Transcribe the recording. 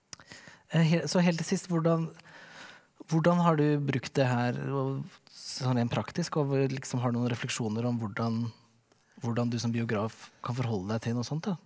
så helt til sist hvordan hvordan har du brukt det her og sånn i en praktisk og liksom har noen refleksjoner om hvordan hvordan du som biograf kan forholde deg til noe sånt da?